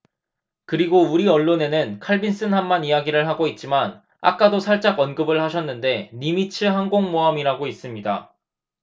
그리고 우리 언론에는 칼빈슨함만 이야기를 하고 있지만 아까 도 살짝 언급을 하셨는데 니미츠 항공모함이라고 있습니다